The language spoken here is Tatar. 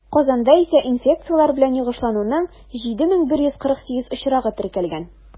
Казанда исә инфекцияләр белән йогышлануның 7148 очрагы теркәлгән.